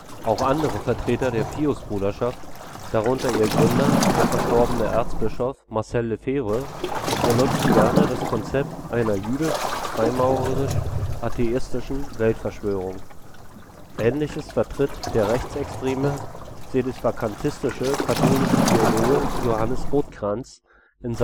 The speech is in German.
Auch andere Vertreter der Piusbruderschaft, darunter ihr Gründer, der verstorbene Erzbischof Marcel Lefebvre, benutzten gerne das Konzept einer „ jüdisch-freimaurerisch-atheistischen “Weltverschwörung. Ähnliches vertritt der rechtsextreme sedisvakantistisch-katholische Theologe Johannes Rothkranz in